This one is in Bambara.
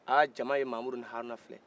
haa jama ye mamudu ni haruna filɛ